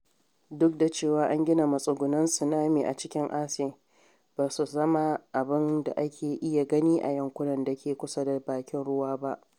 Duk da cewa an gina matsugunan Tsunami a cikin Aceh, ba su zama abin da ake iya gani a yankunan da ke kusa da bakin ruwa ba.